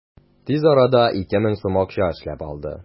Тиз арада 2000 сум акча эшләп алды.